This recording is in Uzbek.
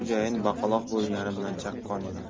xo'jayin baqaloq bo'lgani bilan chaqqon edi